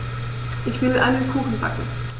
Ich will einen Kuchen backen.